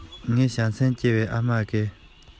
ཁྱིམ གྱི རྒན མོ དེས ལྕགས ཐབ